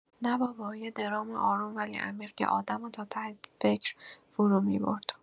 نه بابا، یه درام آروم ولی عمیق که آدمو تا ته فکر فرومی‌برد.